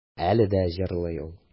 Әле дә җырлый ул.